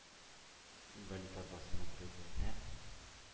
Инвалид арбасына берегүенә